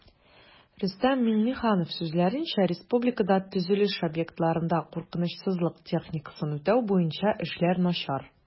Рөстәм Миңнеханов сүзләренчә, республикада төзелеш объектларында куркынычсызлык техникасын үтәү буенча эшләр начар